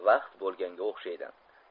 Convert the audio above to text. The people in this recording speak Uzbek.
vaqt bo'lganga o'xshaydi